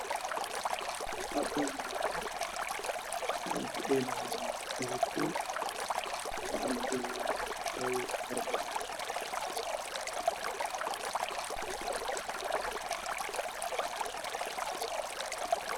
Halkaan waa garoon waxa kudheelaayo cayaartoy. Waxaana joogo taageero fara badan.